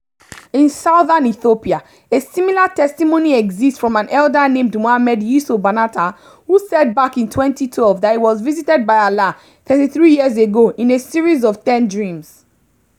In southern Ethiopia, a similar testimony exists from an elder named Mohammed Yiso Banatah, who said back in 2012 that he was visited by Allah 33 years ago in a series of ten dreams.